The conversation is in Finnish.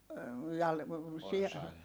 jaa sian